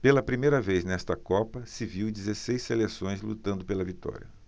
pela primeira vez nesta copa se viu dezesseis seleções lutando pela vitória